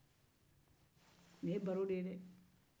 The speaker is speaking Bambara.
nin ye baro de ye dɛ